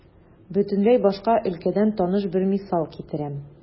Бөтенләй башка өлкәдән таныш бер мисал китерәм.